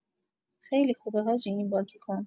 خیلی خوبه حاجی این بازیکن